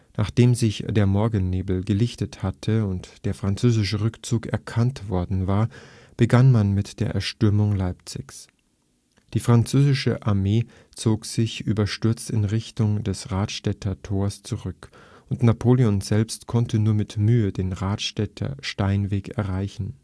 Nachdem sich der Morgennebel gelichtet hatte und der französische Rückzug erkannt worden war, begann man mit der Erstürmung Leipzigs. Die französische Armee zog sich überstürzt in Richtung des Ranstädter Tores zurück, und Napoleon selbst konnte nur mit Mühe den Ranstädter Steinweg erreichen